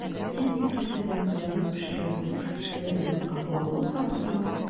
Тик икесе дә кызарып пешкән хуш исле ризыкка кагылып карасалар!